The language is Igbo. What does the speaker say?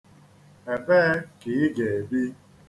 Ebee ka ị ga-ebi?